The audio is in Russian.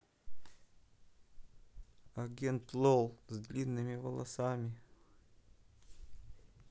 агент лол с длинными волосами